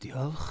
Diolch.